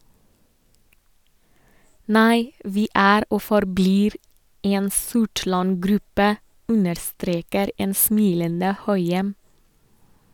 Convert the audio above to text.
- Nei, vi er og forblir en Sortland-gruppe, understreker en smilende Høyem.